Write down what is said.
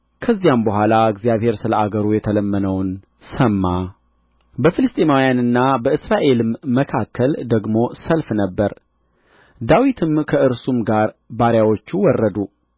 ከዚያም በኋላ እግዚአብሔር ስለ አገሩ የተለመነውን ሰማ በፍልስጥኤማውያንና በእስራኤልም መካከል ደግሞ ሰልፍ ነበረ ዳዊትም ከእርሱም ጋር ባሪያዎቹ ወረዱ